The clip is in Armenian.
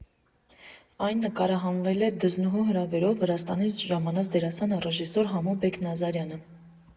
Այն նկարահանել էր Դզնունու հրավերով Վրաստանից ժամանած դերասան, ռեժիսոր Համո Բեկ֊Նազարյանը։